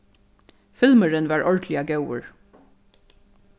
filmurin var ordiliga góður